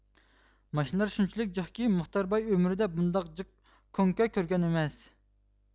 ماشىنىلار شۇنچىلىك جىقكى مۇختەر باي ئۆمرىدە بۇنداق جىق كوڭكا كۆرگەن ئەمەس